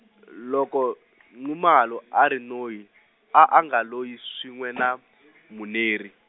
loko Nxumalo a ri noyi, a a nga loyi swin'we na, Muneri.